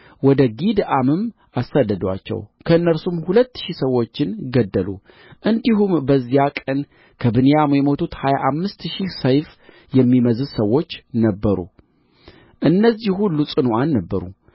ወደ ጊድአምም አሳደዱአቸው ከእነርሱም ሁለት ሺህ ሰዎችን ገደሉ እንዲሁም በዚያ ቀን ከብንያም የሞቱት ሀያ አምስት ሺህ ሰይፍ የሚመዝዙ ሰዎች ነበሩ እነዚህ ሁሉ ጽኑዓን ነበሩ